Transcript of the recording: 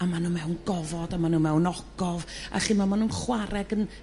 a ma' nhw mewn gofod a ma' nhw mewn ogof a chi'mo' ma' nhw'n chwar'e ag 'n